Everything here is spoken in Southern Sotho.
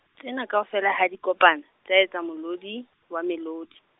tsena kaofela ha di kopana, tsa etsa molodi, wa melodi.